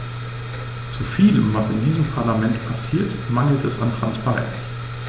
Zu vielem, was in diesem Parlament passiert, mangelt es an Transparenz.